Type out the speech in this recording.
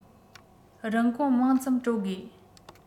རིན གོང མང ཙམ སྤྲོད དགོས